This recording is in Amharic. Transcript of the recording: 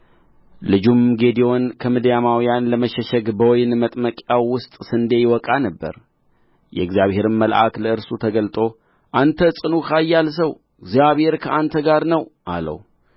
ልጁም ጌዴዎን ከምድያማውያን ለመሸሸግ በወይን መጥመቂያው ውስጥ ስንዴ ይወቃ ነበር የእግዚአብሔርም መልአክ ለእርሱ ተገልጦ አንተ ጽኑዕ ኃያል ሰው እግዚአብሔር ከአንተ ጋር ነው አለው